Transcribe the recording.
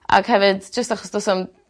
ag hefyd jyst achos do's 'a'm